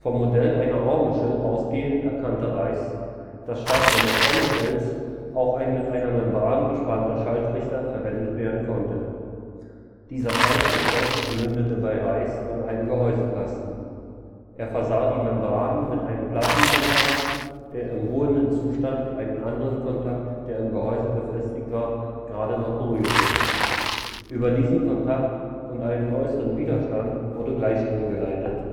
Modell einer Ohrmuschel ausgehend erkannte Reis, dass statt eines Trommelfells auch ein mit einer Membran bespannter Schalltrichter verwendet werden konnte. Dieser Schalltrichter mündete bei Reis in einem Gehäusekasten. Er versah die Membran mit einem Platinkontakt, der im ruhenden Zustand einen anderen Kontakt, der im Gehäuse befestigt war, gerade noch berührte. Über diesen Kontakt und einen äußeren Widerstand wurde Gleichstrom geleitet